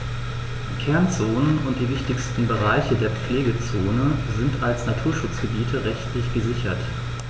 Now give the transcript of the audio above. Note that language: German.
Kernzonen und die wichtigsten Bereiche der Pflegezone sind als Naturschutzgebiete rechtlich gesichert.